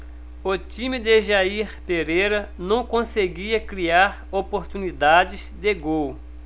o time de jair pereira não conseguia criar oportunidades de gol